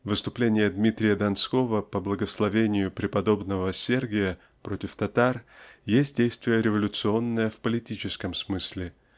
Выступление Дмитрия Донского по благословению преподобного Сергия против татар есть действие революционное в политическом смысле